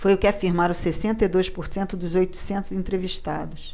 foi o que afirmaram sessenta e dois por cento dos oitocentos entrevistados